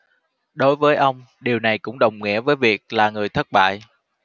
đối với ông điều này cũng đồng nghĩa với việc là người thất bại